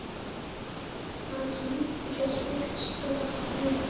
majlis tugashini kutishga vaqtim yo'q